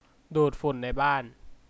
ดูดฝุ่นในบ้าน